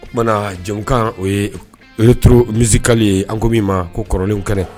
Oumana jɛkan o ye oluturu misika ye an ko min ma ko kinw kɛnɛ